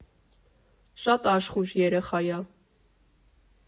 Շատ աշխույժ երեխայ ա։